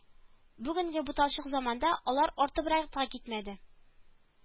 Бүгенге буталчык заманда алар артыбрак та китмәде